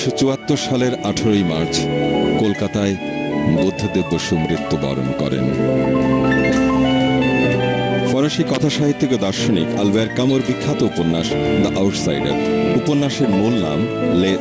19744 সালের 18 ই মার্চ কলকাতায় বুদ্ধদেব বসু মৃত্যবরণ করেন ফরাসি কথা সাহিত্যিক ও দার্শনিক আলব্যের ক্যামুর বিখ্যাত উপন্যাস দ্য আউটসাইডার উপন্যাসের মূল নাম লে